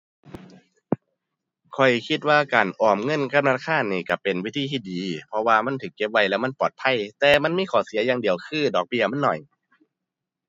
ข้อยคิดว่าการออมเงินกับธนาคารนี้ก็เป็นวิธีที่ดี เพราะว่ามันก็เก็บไว้แล้วมันปลอดภัย แต่มันมีข้อเสียอย่างเดียวคือ ดอกเบี้ยมันน้อย